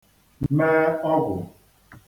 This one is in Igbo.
me ọgwụ̀